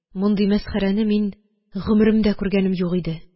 Мондый мәсхәрәне мин гомеремдә күргәнем юк иде